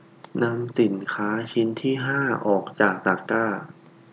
นำสินค้าชิ้นที่ห้าออกจากตะกร้า